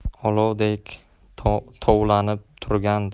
olovdek tovlanib turgandi